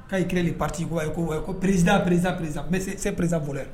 Kan i kireyi le parti bɔn ko ko perezidan perezidan sɛ ɛn perezidan volɛr